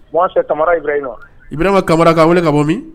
Kama i bɛna ka kamara kan wele ka bɔ min